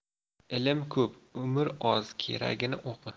ilm ko'p umr oz keragini o'qi